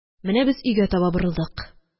Менә без өйгә таба борылдык